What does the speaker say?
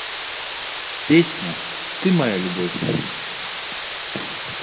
песня ты моя любовь